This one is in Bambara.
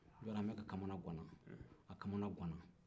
jawɔrɔmɛkɛ kamana gan na a kamanagan na